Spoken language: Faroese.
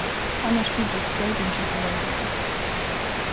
annars tykist broytingin at vera greið